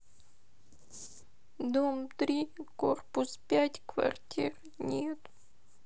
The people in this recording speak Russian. дом три корпус пять квартиры нет